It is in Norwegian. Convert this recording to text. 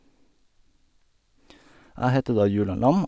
Jeg heter da Julian Lam.